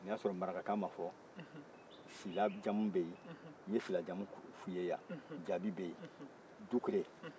nin y'a sɔrɔ marakakan ma fɔ sila jamu bɛ yen n ye sila jamu f'i ye yan dabi bɛ yen dukure